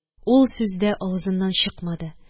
Ул сүз дә авызыннан чыкмады